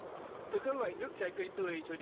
từ các loại nước trái cây tươi cho